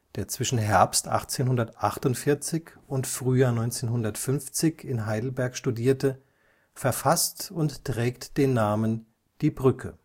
der zwischen Herbst 1848 und Frühjahr 1850 in Heidelberg studierte, verfasst und trägt den Namen Die Brücke